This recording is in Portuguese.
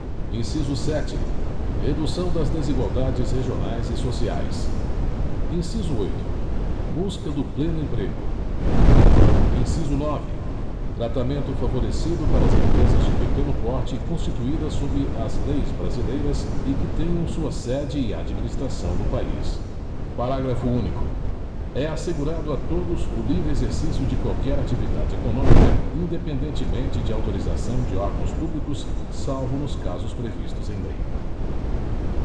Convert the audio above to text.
inciso sete redução das desigualdades regionais e sociais inciso oito busca do pleno emprego inciso nove tratamento favorecido para as empresas de pequeno porte constituídas sob as leis brasileiras e que tenham sua sede e administração no país parágrafo único é assegurado a todos o livre exercício de qualquer atividade econômica independentemente de autorização de órgãos públicos salvo nos casos previstos em lei